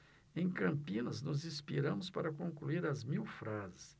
em campinas nos inspiramos para concluir as mil frases